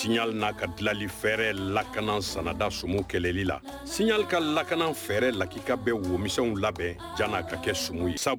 Siyali n'a ka dilanli fɛrɛɛrɛ lakana sanda s kɛlɛli la siyali ka lakana fɛɛrɛ lakii ka bɛ womisɛnw labɛn jan n'a ka kɛ sun ye